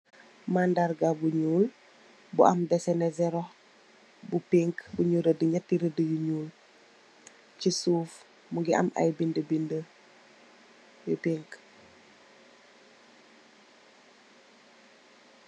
Mandarga bu nuul . bu am desini zero bu piikk bu am nyiti radi yu nuul ci suuf mungi am ay binda binda yu pikk.